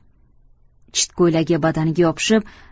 chit ko'ylagi badaniga yopishib